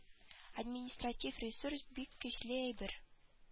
Административ ресурс бик көчле әйбер